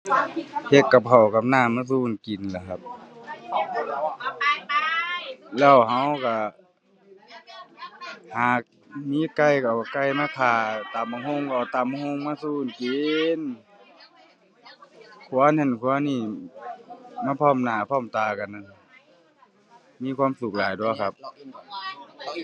เฮ็ดกับข้าวกับน้ำมาสู่กันกินล่ะครับ แล้วเราเรา หากมีไก่เราเอาไก่มาฆ่า ตำบักหุ่งเราตำบักหุ่งมาสู่กันกิน ครัวนั้นครัวนี้มาพร้อมหน้าพร้อมตากันนะมีความสุขหลายตั่วครับ